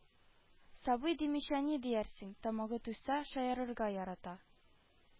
Сабый димичә ни диярсең, тамагы туйса шаярырга ярата